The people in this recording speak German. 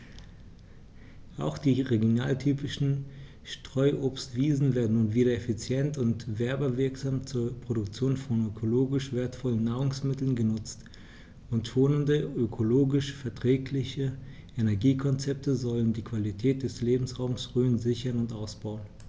Auch die regionaltypischen Streuobstwiesen werden nun wieder effizient und werbewirksam zur Produktion von ökologisch wertvollen Nahrungsmitteln genutzt, und schonende, ökologisch verträgliche Energiekonzepte sollen die Qualität des Lebensraumes Rhön sichern und ausbauen.